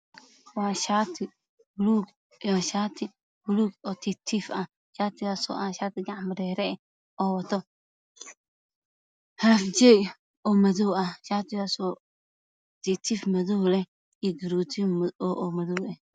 Waa shaati, waa shaati buluug oo kiif-kiif ah shaatiga Soo ah shaati gacmo dheere oo wato, haay jey oo madow ah.shaatigaa Soo kiif-kiif madow leh geed karootiin madow eh.